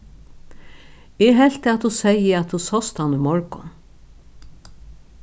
eg helt at tú segði at tú sást hann í morgun